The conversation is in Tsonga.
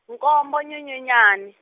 nkombo Nyenyenyane.